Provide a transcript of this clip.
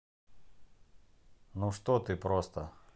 ну что ты просто